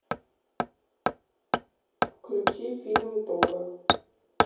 включи фильм тога